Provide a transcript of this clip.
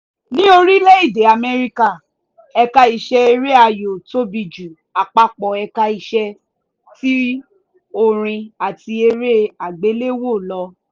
Ní orílẹ̀-èdè America, ẹ̀ka-iṣẹ́ eré ayò tóbi ju àpapọ̀ ẹ̀ka-iṣẹ́ ti orin àti eré àgbéléwò lọ.